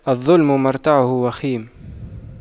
الظلم مرتعه وخيم